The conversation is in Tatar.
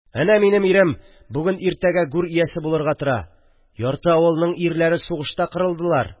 – әнә минем ирем бүген-иртәгә гүр иясе булырга тора, ярты авылның ирләре сугышта кырылдылар